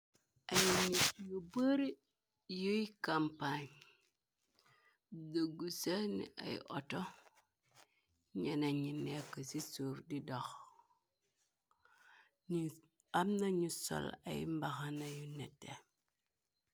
Ay nit ñu bar yuy kampañ, dëggu sëni ay oto, ñeneen ñi nekk ci suuf di dox, amna ñu sol ay mbaxana yu nette.